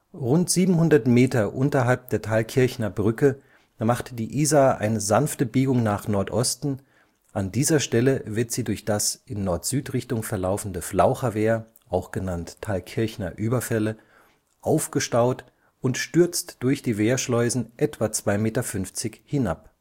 Rund 700 Meter unterhalb der Thalkirchner Brücke macht die Isar eine sanfte Biegung nach Nordosten, an dieser Stelle wird sie durch das in Nord-Süd-Richtung verlaufende Flaucherwehr (auch: Thalkirchner Überfälle) aufgestaut und stürzt durch die Wehrschleusen etwa 2,50 Meter hinab